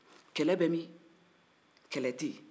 kɛlɛ bɛ min kɛlɛ tɛ yen